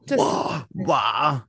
Just ...O! Waa!